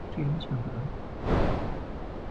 Truenus mewn gwirionedd.